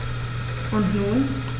Und nun?